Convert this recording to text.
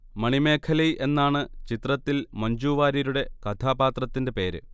മണിമേഖലൈ എന്നാണ് ചിത്രത്തിൽ മ്ഞജുവാര്യരുടെ കഥാപാത്രത്തിന്റെ പേര്